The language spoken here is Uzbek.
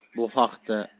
bu haqda ria